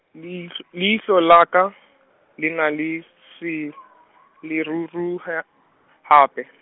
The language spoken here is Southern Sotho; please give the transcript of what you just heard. leihl-, leihlo la ka, le na le s- se , le ruruha hape.